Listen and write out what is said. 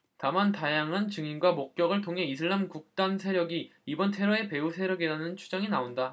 다만 다양한 증언과 목격을 통해 이슬람 극단 세력이 이번 테러의 배후세력이라는 추정이 나온다